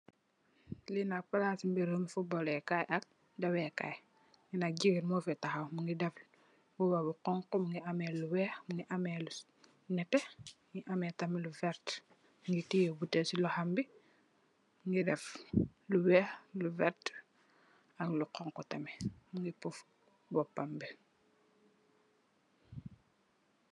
Li nak palasi mberum football le kai ak dawe kai fi nak jigeen mogi taxaw mongi def mbuba bu xonxu mongi ame lu weex mongi ame lu nete mongi ame tamit lu vert mongi tiye botale si loxom bi mongi def lu weex lu vert ak lu xonxu tamit mongi puff mbopam bi.